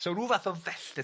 So ryw fath o felltith.